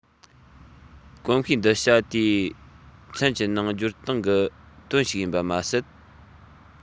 གོམས གཤིས འདི བྱ དེའི ཚན གྱི ནང སྤྱིར བཏང གི དོན ཞིག ཡིན པ མ ཟད